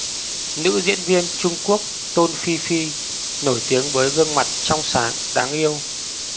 nữ diễn viên trung quốc tôn phi phi nổi tiếng với gương mặt trong sáng đáng yêu